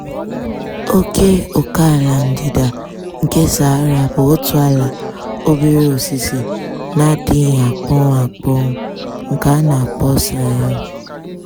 Ókè ókèala ndịda nke Sahara bụ otu ala obere osisi na-adịghị akpọnwụ akpọnwụ nke a na-akpọ Sahel.